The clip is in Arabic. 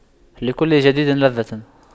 لكل جديد لذة